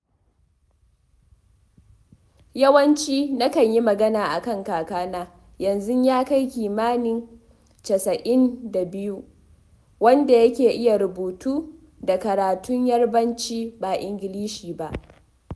Yawanci nakan yi magana a kan kakana ( yanzu ya kai kimanin 92), wanda yake iya rubutu da karatun Yarbanci ba Ingilishi ba.